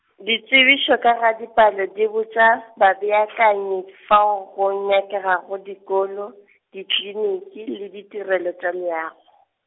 ditsebišo ka ga dipalo di botša, babeakanyi fao go nyakegago dikolo, dikliniki le ditirelo tša leago.